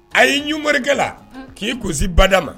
A y'i ɲumanɔririkɛla k'i kosi bada ma